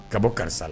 Ka bɔ karisa la.